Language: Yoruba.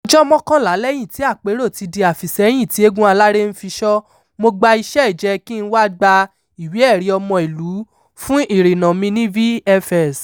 ọjọ́ mọ́kànlá lẹ́yìn tí àpérò ti di àfìsẹ́yìn ti eégún aláré ń fiṣọ, mo gba iṣẹ́-ìjẹ́ kí n wá gba ìwé-ẹ̀rí-ọmọìlú-fún-ìrìnnà mi ní VFS.